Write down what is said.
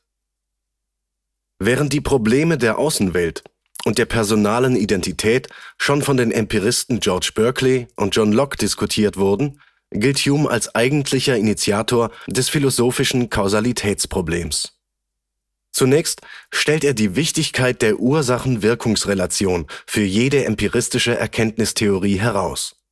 Während die Probleme der Außenwelt und der personalen Identität schon von den Empiristen George Berkeley und John Locke diskutiert wurden, gilt Hume als eigentlicher Initiator des philosophischen Kausalitätsproblems. Zunächst stellt er die Wichtigkeit der Ursachen-Wirkungs-Relation für jede empiristische Erkenntnistheorie heraus